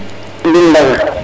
Mbind Mbasa